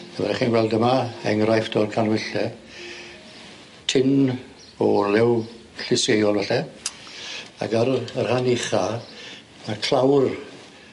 Fel 'ych chi'n gweld yma, enghraifft o'r canwylle tin o olew llysieuol falle ag ar yr y rhan ucha ma' clawr